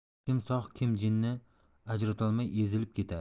kim sog' kim jinni ajratolmay ezilib ketadi